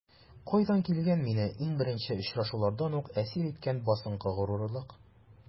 Кайдан килгән мине иң беренче очрашулардан үк әсир иткән басынкы горурлык?